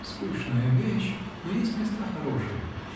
Скучная вещь, но есть места хорошие.